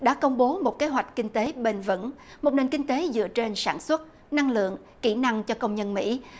đã công bố một kế hoạch kinh tế bền vững một nền kinh tế dựa trên sản xuất năng lượng kỹ năng cho công dân mỹ